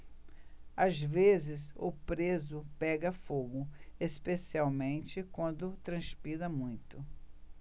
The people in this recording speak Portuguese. às vezes o preso pega fogo especialmente quando transpira muito